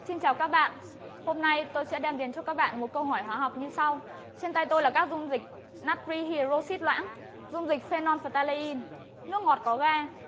xin chào các bạn hôm nay tôi sẽ đem đến cho các bạn một câu hỏi hóa học như sau trên tay tôi là các dung dịch nát ri hi đờ rô xít loãng dung dịch phê non phờ ta lê in nước ngọt có ga